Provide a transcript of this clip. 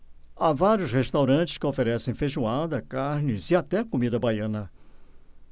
há vários restaurantes que oferecem feijoada carnes e até comida baiana